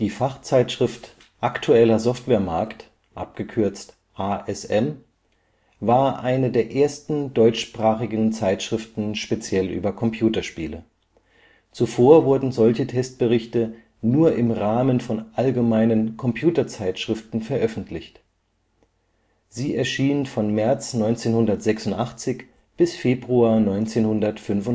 Fachzeitschrift Aktueller Software Markt (ASM) war eine der ersten deutschsprachigen Zeitschriften speziell über Computerspiele; zuvor wurden solche Testberichte nur im Rahmen von allgemeinen Computerzeitschriften veröffentlicht. Sie erschien von März 1986 bis Februar 1995